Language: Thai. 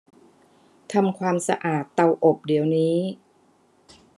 ทำความสะอาดเตาอบเดี๋ยวนี้